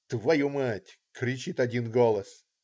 твою мать?!" - кричит один голос.